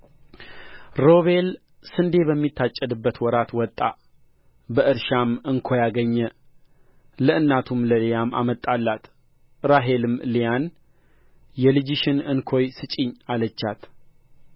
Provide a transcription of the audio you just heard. ሮቤል ስንዴ በሚታጨድበት ወራት ወጣ በእርሻም እንኮይ አገኘ ለእናቱ ለልያም አመጣላት ራሔልም ልያን የልጅሽን እንኮይ ስጪኝ አለቻት